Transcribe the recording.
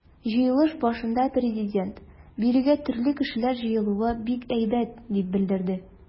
Җыелыш башында Президент: “Бирегә төрле кешеләр җыелуы бик әйбәт", - дип белдерде.